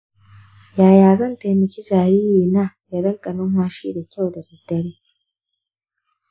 yaya zan taimaki jaririna ya riƙa numfashi da kyau da daddare?